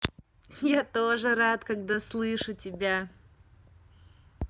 я тоже рад когда слышу тебя